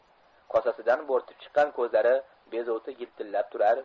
kosasidan bo'rtib chiqqan ko'zlari bezovta yiltillab turar